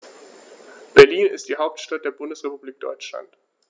Berlin ist die Hauptstadt der Bundesrepublik Deutschland.